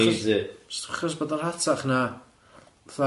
Fatha, jyst achos jyst achos bod o'n rhatach na fatha.